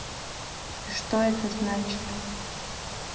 и что это значит